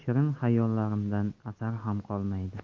shirin xayollarimdan asar ham qolmaydi